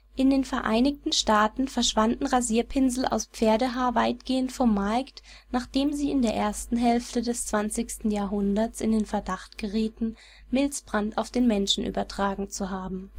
den Vereinigten Staaten verschwanden Rasierpinsel aus Pferdehaar weitgehend vom Markt, nachdem sie in der ersten Hälfte des 20. Jahrhunderts in den Verdacht gerieten, Milzbrand auf den Menschen übertragen zu haben